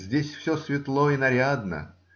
Здесь все светло и нарядно.